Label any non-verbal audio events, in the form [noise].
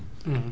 [hesitation] [hesitation]